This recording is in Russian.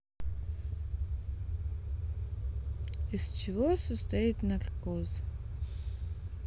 из чего состоит наркоз